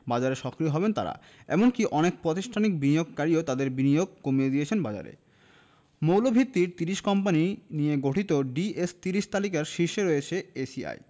বাজারে সক্রিয় হবেন তাঁরা এমনকি অনেক প্রাতিষ্ঠানিক বিনিয়োগকারীও তাদের বিনিয়োগ কমিয়ে দিয়েছে বাজারে মৌলভিত্তির ৩০ কোম্পানি নিয়ে গঠিত ডিএস ৩০ তালিকার শীর্ষে রয়েছে এসিআই